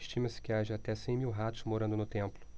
estima-se que haja até cem mil ratos morando no templo